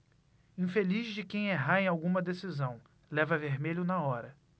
infeliz de quem errar em alguma decisão leva vermelho na hora